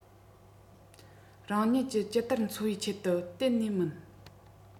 རང ཉིད ཀྱི ཇི ལྟར འཚོ བའི ཆེད དུ གཏན ནས མིན